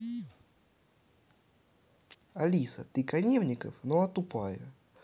алиса ты коневников но а тупая